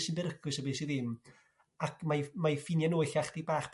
sy'n beryclus a be' sy ddim. Ac ma' 'u mae ffinia' nhw e'lla' 'chydig bach